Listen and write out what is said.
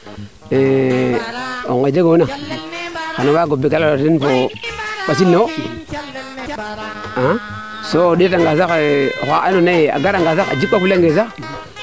o nge jegoona xana waago ɓekananan ten bo fo ɓasil ne wo a so o ndeeta nga saxe oxa ando naye a gara nga sax a jik wa fule ngee sax